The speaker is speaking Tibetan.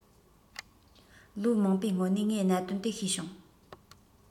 ལོ མང པོའི སྔོན ནས ངས གནད དོན དེ ཤེས བྱུང